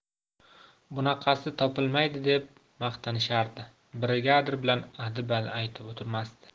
bunaqasi topilmaydi deb maqtashardi brigadir bilan adi badi aytib o'tirmasdi